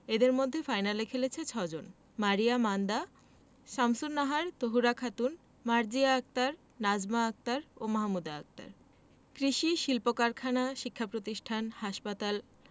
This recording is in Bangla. এর মধ্যে ফাইনালে খেলেছে ৬ জন মারিয়া মান্দা শামসুন্নাহার তহুরা খাতুন মার্জিয়া আক্তার নাজমা আক্তার ও মাহমুদা আক্তার কৃষি শিল্পকারখানা শিক্ষাপ্রতিষ্ঠান হাসপাতাল